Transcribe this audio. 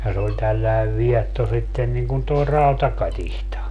ja se oli tällainen vietto sitten niin kun tuo rautakatiska